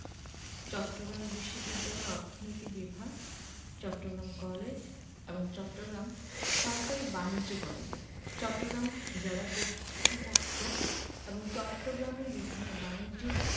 চট্টগ্রাম বিশ্ববিদ্যালয়ের অর্থনীতি বিভাগ চট্টগ্রাম কলেজ এবং চট্টগ্রাম সরকারি বাণিজ্য কলেজের চট্টগ্রাম জেলা কর্তৃপক্ষ এবং চট্টগ্রামের বিভিন্ন বানিজ্য